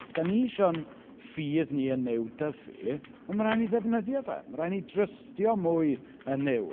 Os dan ni isio ein ffydd ni yn Nuw dyfu, wel mae'n rhaid i ni ddefnyddio fe. Mae'n raid ni drystio mwy yn Nuw.